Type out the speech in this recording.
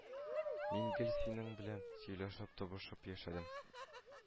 Мин гел синең белән сөйләшеп-табышып яшәдем